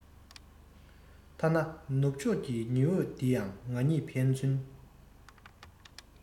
ཐ ན ནུབ ཕྱོག ཀྱི ཉི འོད འདི ཡང ང གཉིས ཕན ཚུན